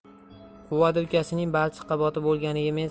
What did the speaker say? quvada ukasining balchiqqa botib o'lganiga men